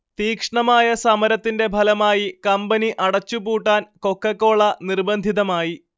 തീക്ഷണമായ സമരത്തിന്റെ ഫലമായി കമ്പനി അടച്ചുപൂട്ടാൻ കൊക്കക്കോള നിർബന്ധിതമായി